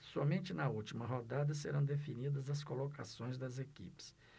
somente na última rodada serão definidas as colocações das equipes